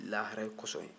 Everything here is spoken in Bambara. lahara ye kosɔn ye